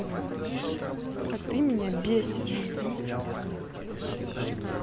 а ты меня бесишь